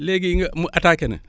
léegi nga mu attaqué na